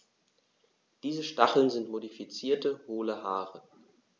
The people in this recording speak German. Diese Stacheln sind modifizierte, hohle Haare.